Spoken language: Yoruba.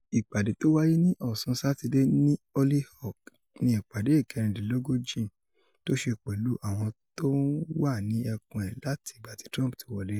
Ìpàdé tó wáyé ní ọ̀sán Sátidé ní Holyoke ni ìpàdé ìkẹ́rindínlógójì (36) tó ṣe pẹ̀lú àwọn t’ọ́n wà ní ẹkùn ẹ̀ láti ìgbà tí Trump ti wọlé.